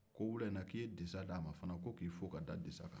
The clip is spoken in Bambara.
ko wula in na k'i ye disa d'a ma fana ko k'i fo k'a da disa kan